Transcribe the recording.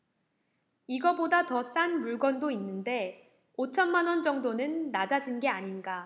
이거보다 더 싼 물건도 있는데 오 천만 원 정도는 낮아진 게 아닌가